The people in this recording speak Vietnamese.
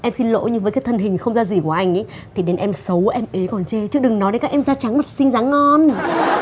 em xin lỗi nhưng với cái thân hình không ra gì của anh ý thì đến em xấu em ế còn chê chứ đừng nói đến các em da trắng mặt xinh dáng ngon